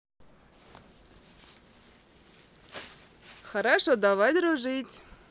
хорошо давай дружить